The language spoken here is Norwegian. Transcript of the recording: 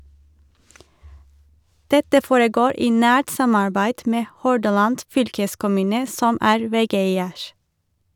Dette foregår i nært samarbeid med Hordaland Fylkeskommune som er vegeier.